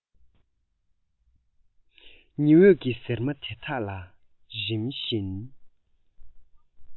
ཉི འོད ཀྱི ཟེར མ དེ དག ལ རིམ བཞིན